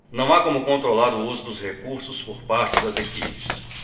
não há como controlar o uso dos recursos por parte das equipes